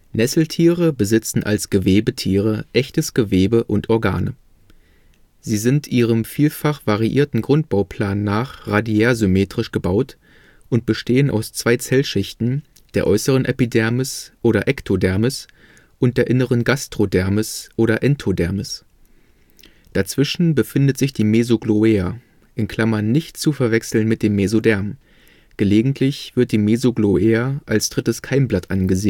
Nesseltiere besitzen als Gewebetiere echtes Gewebe und Organe. Sie sind ihrem vielfach variierten Grundbauplan nach radiärsymmetrisch gebaut und bestehen aus zwei Zellschichten, der äußeren Epidermis oder Ectodermis und der inneren Gastrodermis oder Entodermis. Dazwischen befindet sich die Mesogloea (nicht zu verwechseln mit dem Mesoderm. Gelegentlich wird die Mesogloea als drittes Keimblatt angesehen, doch mit den